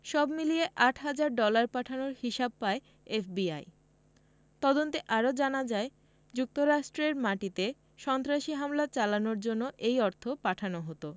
সব মিলিয়ে আট হাজার ডলার পাঠানোর হিসাব পায় এফবিআই তদন্তে আরও জানা যায় যুক্তরাষ্ট্রের মাটিতে সন্ত্রাসী হামলা চালানোর জন্য এই অর্থ পাঠানো হতো